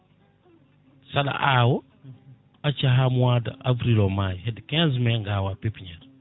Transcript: saɗa awa acca ha mois de avril o maya hedde 15 mai en gawa pépiniére